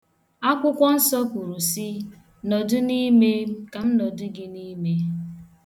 Akwụkwọnsọ kwuru sị ' Nọdụ m n'ime m ka m nọdụ gị n' ime'.